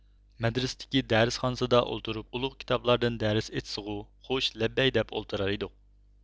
مەدرىستىكى دەرسخانىسىدا ئولتۇرۇپ ئۇلۇغ كىتابلاردىن دەرس ئېيتسىغۇ خوش لەببەي دەپ ئولتۇرار ئىدۇق